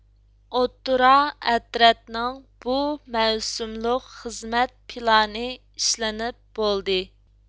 ئوتتۇرا ئەترەتنىڭ بۇ مەۋسۇملۇق خىزمەت پىلانى ئىشلىنىپ بولدى